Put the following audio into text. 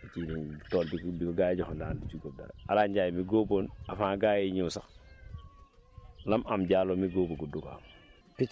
picc ñoom tool bi ko gaa yi joxoon du ci góon dara El Hadj Ndiaye mi góoboon avant gaa yiy ñëw sax lam am Diallo mi góobagut du ko am